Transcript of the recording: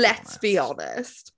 Let's be honest.